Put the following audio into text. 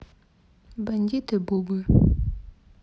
бандиты бубы